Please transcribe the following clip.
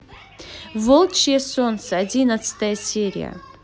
волчье солнце одиннадцатая серия